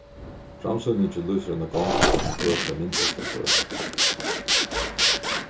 framsýningin lýsir eina gongd gjøgnum føroyska myndlistasøgu